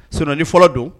Sinon ni fɔlɔ don